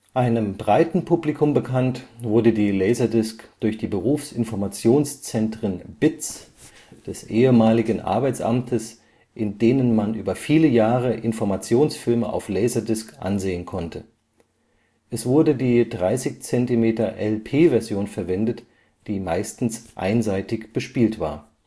Einem breiten Publikum bekannt wurde die Laserdisc durch die Berufsinformationszentren (BIZ) des ehemaligen Arbeitsamtes, in denen man über viele Jahre Informationsfilme auf Laserdisk („ Bildplatte “) ansehen konnte. Es wurde die 30-cm-LP-Version verwendet, die meistens einseitig bespielt war